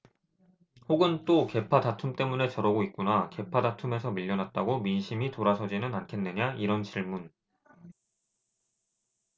혹은 또 계파 다툼 때문에 저러고 있구나 계파다툼에서 밀려났다고 민심이 돌아서지는 않겠느냐 이런 질문